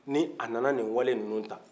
ni a na na nin wale ninuw ta